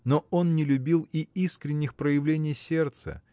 но он не любил и искренних проявлений сердца